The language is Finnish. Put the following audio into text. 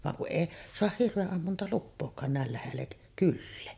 vaan kun ei saa hirvenammuntalupaakaan näin lähelle kylää